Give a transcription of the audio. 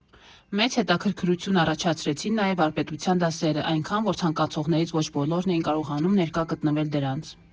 Մեծ հետաքրքրություն առաջացրեցին նաև վարպետության դասերը, այնքան, որ ցանկացողներից ոչ բոլորն էին կարողանում ներկա գտնվել դրանց։